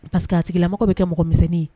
Parce que a tigilamago be kɛ mɔgɔmisɛnnin ye